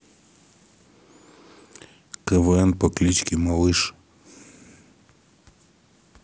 квн по кличке малыш